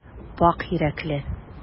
Пакь йөрәкле.